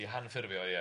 I hanffurfio, ie.